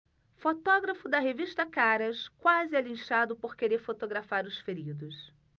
fotógrafo da revista caras quase é linchado por querer fotografar os feridos